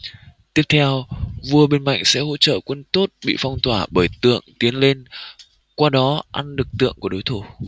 tiếp theo vua bên mạnh sẽ hỗ trợ quân tốt bị phong tỏa bởi tượng tiến lên qua đó ăn được tượng của đối thủ